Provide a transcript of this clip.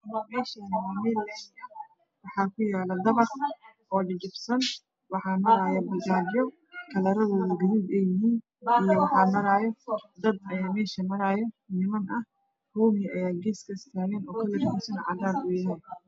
Meeshaan waa meel laami ah waxaa yaalo dabaq oo jajabsan waxaa maraayo bajaajyo kalaradoodu gaduud ah iyo dad niman ah. Hoomey ayaa taagan.